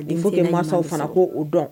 Den fo kɛ mansaw fana ko o dɔn